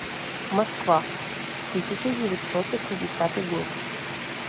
москва тысяча девятьсот восьмидесятый год